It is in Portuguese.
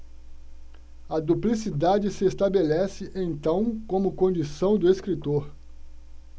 a duplicidade se estabelece então como condição do escritor